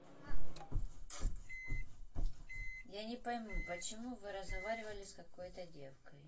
я не пойму почему вы разговаривали с какой то девкой